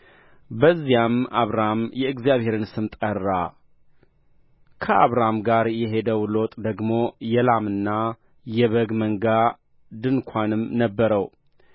በአንድነትም ይቀመጡ ዘንድ ምድር አልበቃቸውም የነበራቸው እጅግ ነበረና በአንድነት ሊቀመጡ አልቻሉም የአብራምንና የሎጥን መንጎች በሚጠብቁት መካከልም ጠብ ሆነ